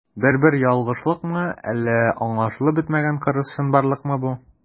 Бер-бер ялгышлыкмы, әллә аңлашылып бетмәгән кырыс чынбарлыкмы бу?